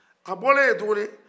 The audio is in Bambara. a bɔlen ye tukuni